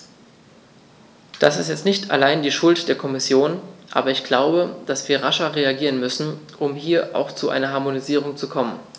Das ist jetzt nicht allein die Schuld der Kommission, aber ich glaube, dass wir rascher reagieren müssen, um hier auch zu einer Harmonisierung zu kommen.